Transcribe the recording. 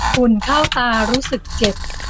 ฝุ่นเข้าตารู้สึกเจ็บ